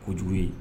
Kojugu ye